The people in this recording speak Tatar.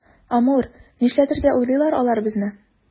Амур, нишләтергә уйлыйлар алар безне?